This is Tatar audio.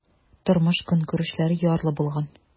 Тормыш-көнкүрешләре ярлы булган.